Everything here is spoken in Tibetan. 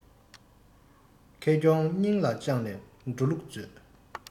ཁེ གྱོང སྙིང ལ བཅངས ནས འགྲོ ལུགས མཛོད